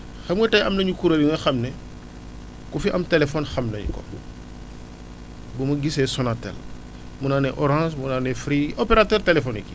xam nga tey am nañu kuréel yu nga xam ne ku fi am téléphone xam nañu ko mu mu gisee Sonatel mun naa ne Orange mun naa ne Free opérateurs téléphoniques yi